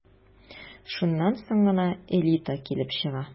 Шуннан соң гына «элита» килеп чыга...